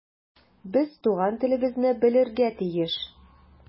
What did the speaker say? Без туган телебезне белергә тиеш.